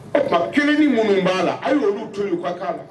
Kuma kelen ni minnu b'a la a y' oluolu to yen u''a la